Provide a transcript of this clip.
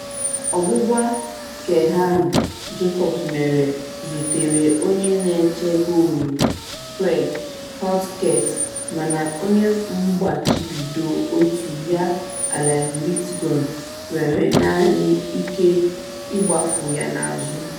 Ọgbụgba Keaghan Jacobs mere zutere onye na-eche goolu Craig Halkett mana onye mgbachibido otu ya Alan Lithgow nwere naanị ike ịgbafu ya n’azụ.